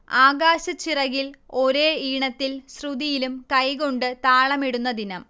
ആകാശച്ചിറകിൽ ഒരേ ഈണത്തിൽ ശ്രുതിയിലും കൈകൊണ്ട് താളമിടുന്ന ദിനം